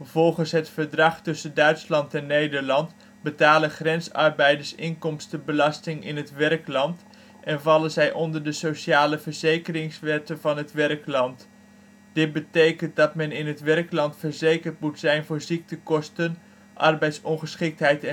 Volgens het verdrag tussen Duitsland en Nederland betalen grensarbeiders inkomstenbelasting in het werkland en vallen onder de sociale verzekeringswetten van het werkland. Dit betekend dat men in het werkland verzekerd moet zijn voor ziektekosten, arbeidsongeschiktheid